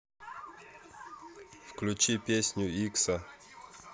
включи песню иксо